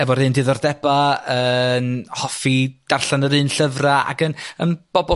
efo'r un diddordeba' yn hoffi darllen yr un llyfrau ac yn, yn bobol